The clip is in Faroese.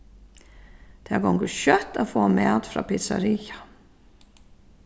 tað gongur skjótt at fáa mat frá pitsaria